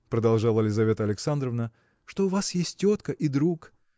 – продолжала Лизавета Александровна – что у вас есть тетка и друг.